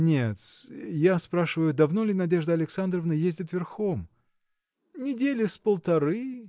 – Нет-с, я спрашиваю: давно ли Надежда Александровна ездит верхом? – Недели с полторы.